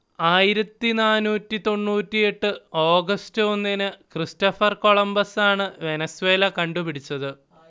ആയിരത്തി നാന്നൂറ്റി തൊണ്ണൂറ്റിയെട്ട് ഓഗസ്റ്റ് ഒന്നിനു ക്രിസ്റ്റഫർ കൊംളമ്പസാണ് വെനസ്വേല കണ്ടുപിടിച്ചത്